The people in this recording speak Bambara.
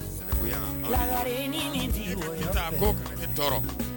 Lakariren ko tɔɔrɔ